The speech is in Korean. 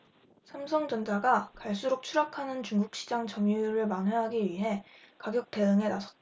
삼성전자가 갈수록 추락하는 중국 시장 점유율을 만회하기 위해 가격 대응에 나섰다